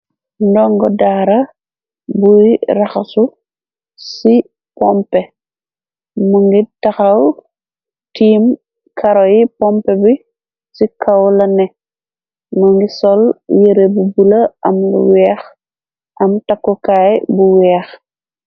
Ndongo daara bu yi raxasu ci pompe. Mu ngi taxaw tiim karoy pompe bi ci kaw la neka, mu ngi sol yere bu bulo am lu weex am takkukaay bu weex.